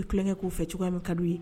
I tulonkɛ k'o fɛ cogo min kadi ye